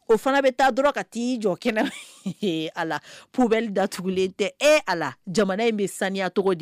O fana bɛ taa dɔrɔn ka t i jɔ kɛnɛ a la pub datugulen tɛ e a la jamana in bɛ saniya tɔgɔ di